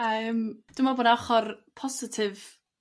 A yrm dwi me'wl bo' 'na ochor positif